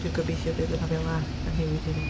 Dwi'n gobeithio y bydd y nofelau yn newid hefyd.